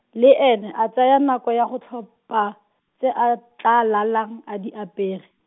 le ene, a tsaya nako ya go tlhopha, tse a tla lalang a di apere.